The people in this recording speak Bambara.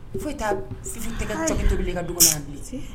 Fo taa fi tigɛ tigi tobili i ka dugu bilen